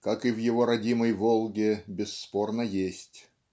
как и в его родимой Волге бесспорно есть.